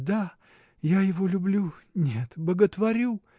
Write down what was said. Да, я его люблю, нет, боготворю!